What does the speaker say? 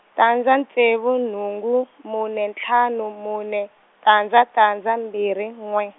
tandza ntsevu nhungu, mune ntlhanu mune, tandza tandza mbirhi n'we.